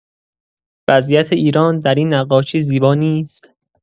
وضعیت ایران در این نقاشی زیبا نیست؟